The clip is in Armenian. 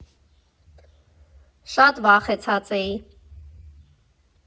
Շատ վախեցած էի։